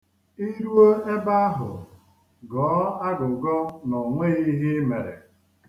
I rue ebe ahụ, gọọ agụgọ na o nweghị ihe i mere.